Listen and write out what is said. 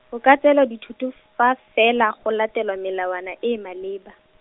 o ka tseelwa dithoto, fa fela go latelwa melawana e maleba.